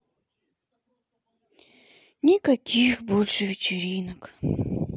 никаких больше вечеринок